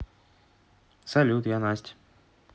салют я настя